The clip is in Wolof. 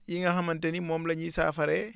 yi nga xamante ni moom la ñuy saafaree